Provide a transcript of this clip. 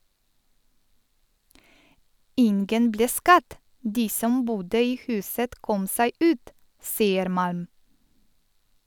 - Ingen ble skadd, de som bodde i huset kom seg ut, sier Malm.